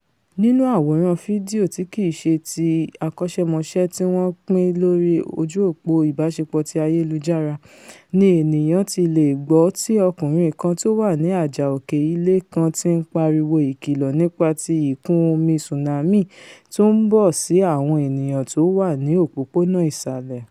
Nínú àwòrán fídíò tí kìí ṣe ti akọṣẹ́mọṣẹ́ tíwọn pín lórì ojú-òpò ìbáṣepọ̀ ti ayélujára ni ènìyàn ti leè gbọ́ ti ọkùnrin kan tówà ní àjà òkè ilé kan ti ń pariwo ìkìlọ̀ nípa ti ìkún-omi tsunami tó ńbọ̀ sí àwọn ènìyàn tówà ní òpópóna nísàlẹ̀.